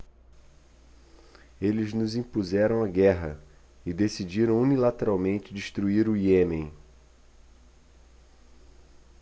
eles nos impuseram a guerra e decidiram unilateralmente destruir o iêmen